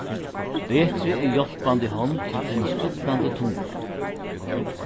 betri er hjálpandi hond enn spillandi tunga